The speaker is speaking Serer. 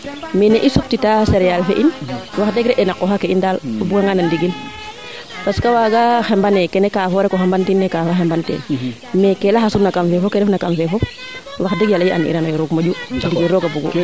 mais nee i sup tita cereale fee in wax deg re'ee na qoxa xe in daal o buga nga nan ndigil parce que waaga xemban nee kene kaafo rek o xemban tin naa kaafa xemban teel mais kee laxasuna kam fee fo kee refna kam fee fop wax deg i an iranoyo moom wax deg ndigil rooga bugu